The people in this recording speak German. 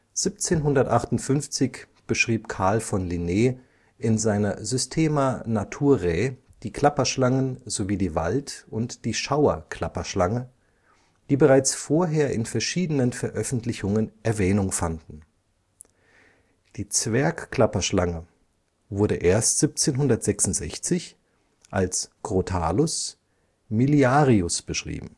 1758 beschrieb Carl von Linné in seiner Systema naturae die Klapperschlangen sowie die Wald - und die Schauer-Klapperschlange, die bereits vorher in verschiedenen Veröffentlichungen Erwähnung fanden. Die Zwergklapperschlange wurde erst 1766 als Crotalus miliarius beschrieben